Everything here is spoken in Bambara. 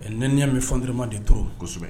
Nya bɛ fantrma de to kosɛbɛ